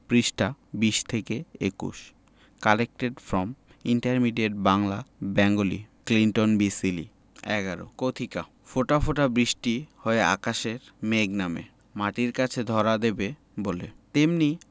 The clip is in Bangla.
পৃষ্ঠাঃ ২০ থেকে ২১ collected from intermediate Bangla Bengali Clinton B সিলি ১১ কথিকা ফোঁটা ফোঁটা বৃষ্টি হয়ে আকাশের মেঘ নামে মাটির কাছে ধরা দেবে বলে তেমনি